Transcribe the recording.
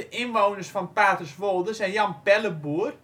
inwoners van Paterswolde zijn Jan Pelleboer